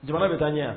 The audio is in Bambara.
Jamana bɛ taa ɲɛ